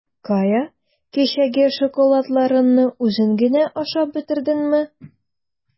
Кая, кичәге шоколадларыңны үзең генә ашап бетердеңме?